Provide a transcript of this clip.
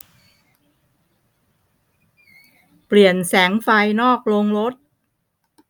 เปลี่ยนแสงไฟนอกโรงรถ